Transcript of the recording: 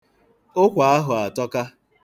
Ụkwa ahụ atọka.